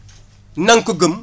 na nga ko gëm